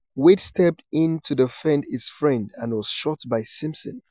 Wayde stepped in to defend his friend and was shot by Simpson.